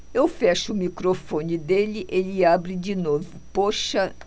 eu fecho o microfone dele ele abre de novo poxa